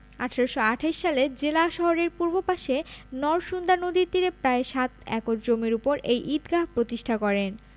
১৮২৮ সালে জেলা শহরের পূর্ব পাশে নরসুন্দা নদীর তীরে প্রায় সাত একর জমির ওপর এই ঈদগাহ প্রতিষ্ঠা করেন